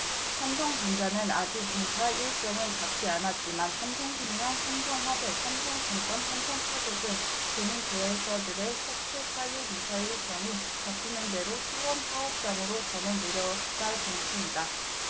삼성전자는 아직 이사 일정은 잡지 않았지만 삼성생명 삼성화재 삼성증권 삼성카드 등 금융계열사들의 서초 사옥 이사 일정이 잡히는 대로 수원사업장으로 전원 내려갈 방침이다